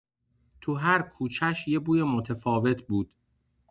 تو هر کوچه‌ش یه بوی متفاوت بود.